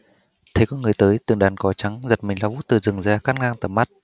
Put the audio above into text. thấy có người tới từng đàn cò trắng giật mình lao vút từ rừng ra cắt ngang tầm mắt